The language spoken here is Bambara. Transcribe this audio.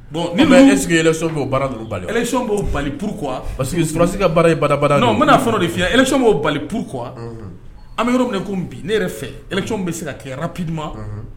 Bon ni ninnu, mais est-ce que élection bɛ b'o baara ninnu bali wa? élection b'o bali pourquoi parce que soldat ka baara ye bada bada de ye non an bɛna fɛn dɔ f'i ye élection b'o bali pourquoi an bɛ yɔrɔ min na a ko bi ne yɛrɛ fɛ élection bɛ se ka kɛ rapidement